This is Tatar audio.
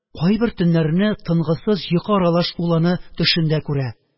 Кайбер төннәрне тынгысыз йокы аралаш ул аны төшендә күрә